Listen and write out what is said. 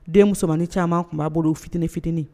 Den musomanmani caman tun b'a bolo fitinin fitiniinin